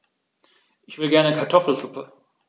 Ich will gerne Kartoffelsuppe.